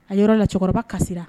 A yɔrɔ la cɛkɔrɔba kasira